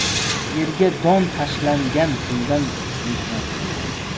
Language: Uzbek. yerga don tashlangan kundan mehnat qilamiz